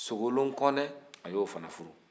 sogolon kɔnɛ a y'o fɛnɛ furu